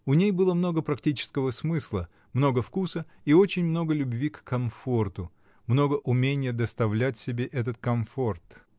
У ней было много практического смысла, много вкуса и очень много любви к комфорту, много уменья доставлять себе этот комфорт.